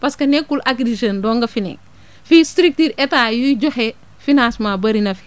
parce que nekkul Agri Jeunes dong a fi nekk fii structures état yuy joxe financement bëri na fi